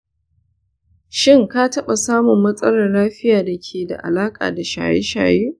shin ka taɓa samun matsalar lafiya da ke da alaƙa da shaye-shaye?